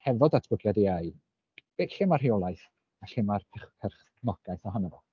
Hefo datblygiad AI be... lle mae'r rheolaeth a lle mae'r perchnogaeth ohono fo.